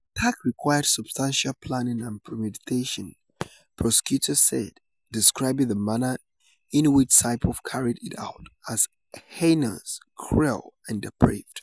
The attack required "substantial planning and premeditation," prosecutors said, describing the manner in which Saipov carried it out as "heinous, cruel and depraved."